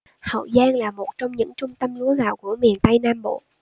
hậu giang là một trong những trung tâm lúa gạo của miền tây nam bộ